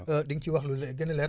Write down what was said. di nga ci wax lu lee dina leer